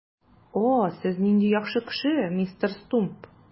О, сез нинди яхшы кеше, мистер Стумп!